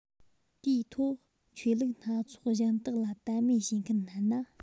དེའི ཐོག ཆོས ལུགས སྣ ཚོགས གཞན དག ལ དད མོས བྱེད མཁན བསྣན ན